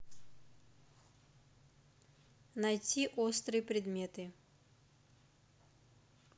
найди острые предметы